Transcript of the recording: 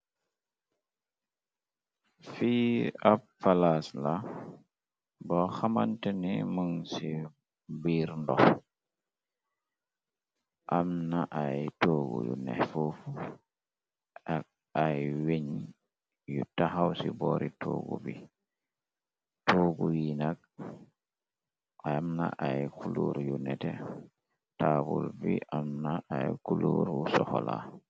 Fi ab falas la bo xamante ne mëng ci biir ndox am na ay toogu yu nex fuuf ak ay weñ yu taxaw ci boori toogu bi toogu yi nak amna ay kuluur yu nete taabul bi am na ay kuluuru soxola.